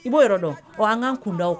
I b'o yɔrɔ dɔn ? Wa an ka kunda o kan.